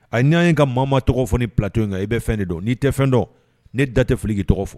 A ni ye an ye ka maa maa tɔgɔ fɔ ni Plateau in kan, i bɛ fɛn de dɔn. N'i tɛ fɛn dɔn, ne da tɛ fili k'i tɔgɔ fɔ.